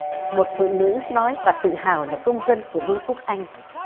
một phụ nữ nói bà tự hào là công dân của vương quốc anh